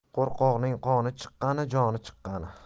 qo'rqoqning qoni chiqqani joni chiqqani